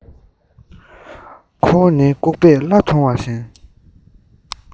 ཁོ བོ ནི ལྐུགས པས ལྷ མཐོང བ བཞིན